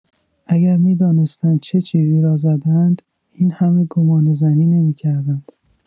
اگر می‌دانستند چه چیزی را زده‌اند این همه گمانه‌زنی نمی‌کردند.